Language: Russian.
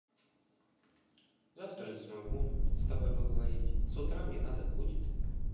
завтра не смогу с тобой поговорить с утра мне надо будет